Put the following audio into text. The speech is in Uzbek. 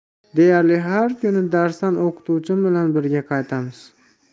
deyarli har kuni darsdan o'qituvchim bilan birga qaytamiz